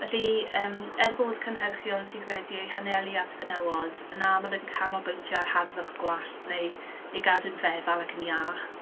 Felly, yym, er bod cynhyrchion sydd wedi eu hanelu at fenywod yn aml yn canolbwyntio ar harddwch gwallt, neu ei gadw'n feddal ac yn iach.